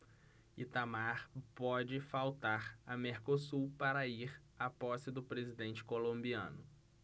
itamar pode faltar a mercosul para ir à posse do presidente colombiano